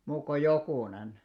muut kuin jokunen